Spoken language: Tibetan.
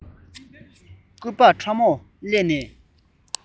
སྟོང སྐུད ཕྲ མོ བསླས ནས